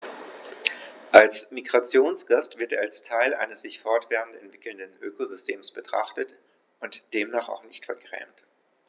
Als Migrationsgast wird er als Teil eines sich fortwährend entwickelnden Ökosystems betrachtet und demnach auch nicht vergrämt.